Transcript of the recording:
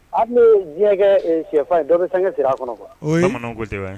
Aw bɛ diɲɛkɛ shɛfan ye dɔ bɛ san siri a kɔnɔ kuwa bamanan ko wa